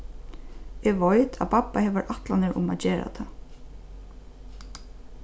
eg veit at babba hevur ætlanir um at gera tað